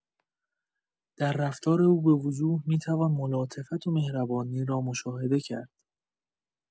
در رفتار او به‌وضوح می‌توان ملاطفت و مهربانی را مشاهده کرد.